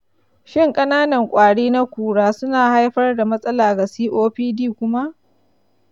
shin ƙananan ƙwari na kura suna haifar da matsala ga copd kuma?